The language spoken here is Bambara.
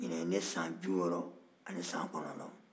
ɲinan ye na san biwɔɔrɔ ani san kɔnɔntɔ ye